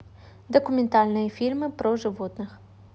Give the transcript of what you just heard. документальные фильмы про животных